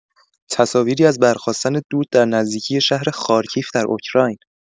تصاویری از برخاستن دود در نزدیکی شهر «خارکیف» در اوکراین